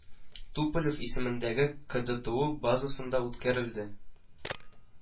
Туполев исемендәге КэДэТыУ базасында үткәрелде